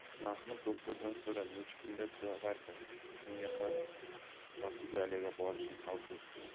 mahmud do'xtirdan so'ra necha kunda tuzatarkin shunga qarab portugaliyaga borishini hal qil